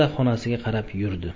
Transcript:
xonasiga qarab yurdi